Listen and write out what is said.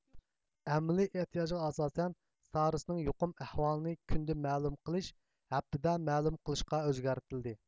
ئەمەلىي ئېھتىياجغا ئاساسەن سارسنىڭ يۇقۇم ئەھۋالىنى كۈندە مەلۇم قىلىش ھەپتىدە مەلۇم قىلىشقا ئۆزگەرتىلدى